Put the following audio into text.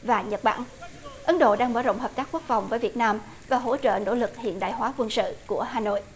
và nhật bản ấn độ đang mở rộng hợp tác quốc phòng với việt nam và hỗ trợ nỗ lực hiện đại hóa quân sự của hà nội